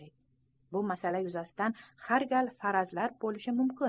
bu masala yuzasidan har xil farazlar bo'lishi mumkin